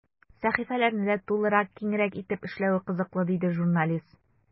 Сәхифәләрне дә тулырак, киңрәк итеп эшләве кызыклы, диде журналист.